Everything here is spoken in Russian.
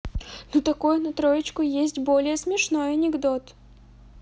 ну такое на троечку есть более смешной анекдот